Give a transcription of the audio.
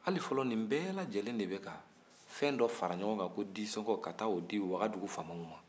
hali fɔlɔ nin bɛɛ lajɛlen de bɛ ka fɛn dɔ fara ɲɔgɔn kan ko disɔngɔ ka taa o di wagadugu faamaw ma